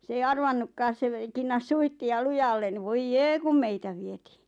se ei arvannutkaan se - kinnasi suitsia lujalle niin voi jee kun meitä vietiin